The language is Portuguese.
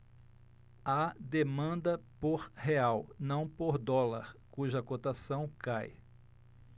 há demanda por real não por dólar cuja cotação cai